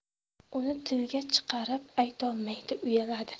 uni tilga chiqarib aytolmaydi uyaladi